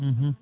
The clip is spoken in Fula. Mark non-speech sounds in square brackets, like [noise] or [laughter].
[hesitation] [hesitation]